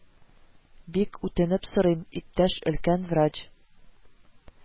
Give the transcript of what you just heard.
Бик үтенеп сорыйм, иптәш өлкән врач